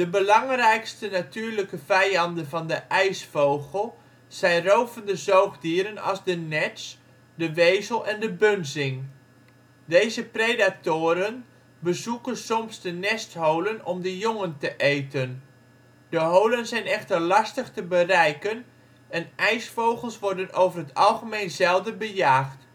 belangrijkste natuurlijke vijanden van de ijsvogel zijn rovende zoogdieren als de nerts, de wezel en de bunzing. Deze predatoren bezoeken soms de nestholen om de jongen te eten. De holen zijn echter lastig te bereiken en ijsvogels worden over het algemeen zelden bejaagd